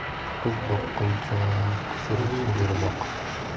qiz boqquncha qisir sigir boq